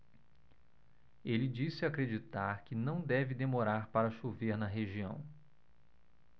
ele disse acreditar que não deve demorar para chover na região